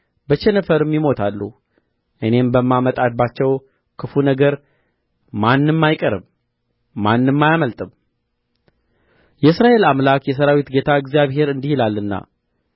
በቸነፈርም ይሞታሉ እኔም ከማመጣባቸው ክፉ ነገር ማንም አይቀርም ማንም አያመልጥም የእስራኤል አምላክ የሠራዊት ጌታ እግዚአብሔር እንዲህ ይላልና